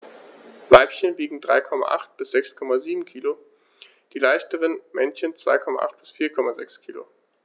Weibchen wiegen 3,8 bis 6,7 kg, die leichteren Männchen 2,8 bis 4,6 kg.